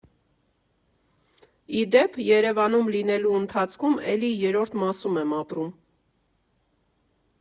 Ի դեպ, Երևանում լինելու ընթացքում էլի Երրորդ մասում եմ ապրում։